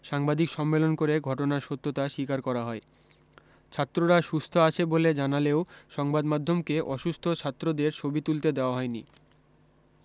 সাংবাদিক সম্মেলন করে ঘটনার সত্যতা স্বীকার করা হয় ছাত্ররা সুস্থ আছে বলে জানালেও সংবাদমাধ্যমকে অসুস্থ ছাত্রদের ছবি তুলতে দেওয়া হয়নি